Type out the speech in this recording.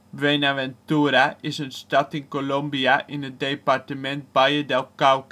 Buenaventura is een stad in Colombia in het departement Valle del Cauca. De stad